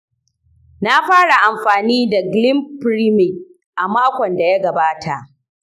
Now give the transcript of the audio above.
na fara amfani da glimepiride a makon da ya gabata.